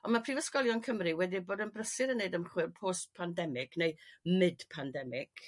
On' ma' prifysgolion Cymru wedi bod yn brysur yn neud ymchwil post pandemic neu mid pandemic